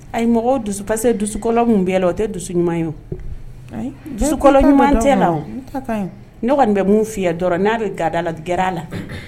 Ayi mɔgɔ dusu parce que dusukolo min b'e la, o tɛ dusu ɲuman ye o;Ayi ,bɛ kɛ ta bɛ kɔnɔ; Dusukolo ɲuman tɛ la o;Ne ta kaɲi; Ne kɔnni bɛ mun f'i ye dɔrɔn n'a bɛ gadala gɛr'a la.